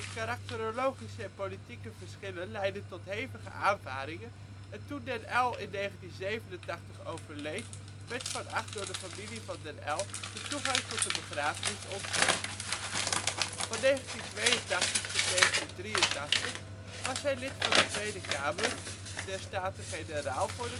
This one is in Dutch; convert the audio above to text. karakterologische en politieke verschillen leidden tot hevige aanvaringen, en toen Den Uyl in 1987 overleed werd Van Agt door de familie Den Uyl de toegang tot de begrafenis ontzegd. Van 1982 tot 1983 was hij lid van de Tweede Kamer der Staten-Generaal voor